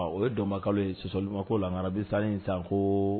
Ɔ o ye dɔn ye sisanma ko la nana bi san in sanko